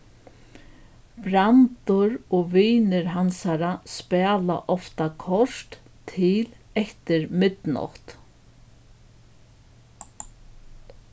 brandur og vinir hansara spæla ofta kort til eftir midnátt